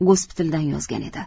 gospitaldan yozgan edi